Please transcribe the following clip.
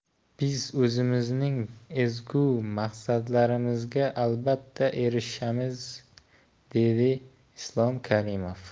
biz o'zimizning ezgu maqsadlarimizga albatta erishamiz dedi islom karimov